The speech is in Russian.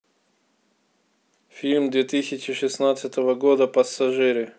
фильм две тысячи шестнадцатого года пассажиры